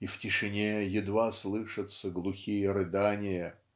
и в тишине едва слышатся глухие рыдания"